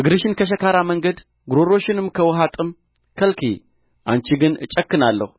እግርሽን ከሸካራ መንገድ ግዋሮሽንም ከውኃ ጥም ከልክዪ አንቺ ግን እጨክናለሁ